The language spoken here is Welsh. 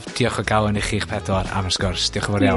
Diolch o galon i chi'ch pedwar am y sgwrs dioch yn fawr iawn.